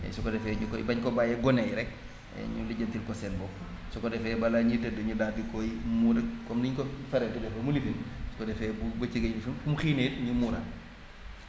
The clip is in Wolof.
et su ko defee ñu koy bañ ko bàyyee gone yi rekk et ñu lijjantil ko seen bopp su ko defee balaa ñuy tëdd ñu daal di koy muur ak comme ni ñu ko faral di defee mu lifin su ko defee bu bëccëgee fu fu mu xiinee ñu muuraat